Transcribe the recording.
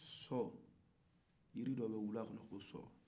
sɔ jiri dɔ bɛ wula kɔnɔ ko sɔ